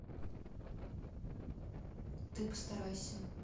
а ты постарайся